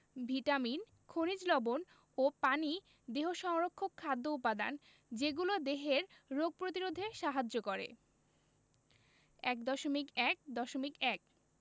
vitamin খনিজ লবন ও পানি দেহ সংরক্ষক খাদ্য উপাদান যেগুলো দেহের রোগ প্রতিরোধে সাহায্য করে ১.১.১